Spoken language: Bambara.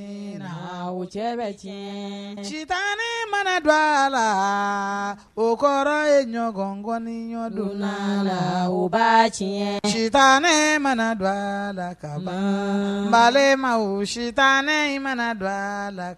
U cɛ bɛ tiɲɛ ci tan ne mana don a la o kɔrɔ ye ɲɔgɔnkɔni ɲɔgɔndon la la u ba tiɲɛ ci tan ne mana don a la ka bama wo si tan ne mana don a la